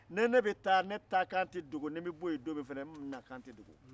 ni ne bɛ taa ne taakan tɛ dogo ni n bɛ bɔ yen don min fana n nakan tɛ dogo